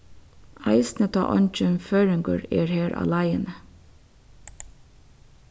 eisini tá eingin føroyingur er har á leiðini